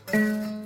Un